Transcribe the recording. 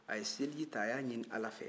a ye seliji ta a y'a ɲinin ala fɛ